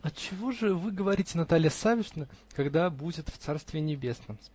-- Отчего же вы говорите, Наталья Савишна, когда будет в царствии небесном?